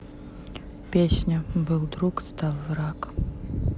песня был друг стал враг